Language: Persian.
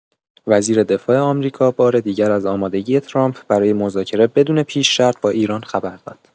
وزیر دفاع آمریکا بار دیگر از آمادگی ترامپ برای مذاکره بدون پیش‌شرط با ایران خبر داد.